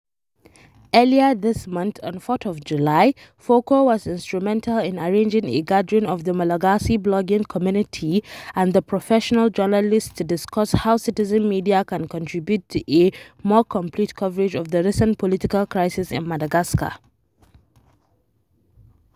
Earlier this month (on 4th of July) FOKO was instrumental in arranging a gathering of the Malagasy blogging community and the professional journalists to discuss how citizen media can contribute to a more complete coverage of the recent political crisis in Madagascar.